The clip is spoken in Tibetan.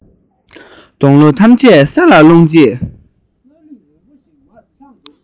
སྡོང ལོ ཐམས ཅད ས ལ ལྷུང རྗེས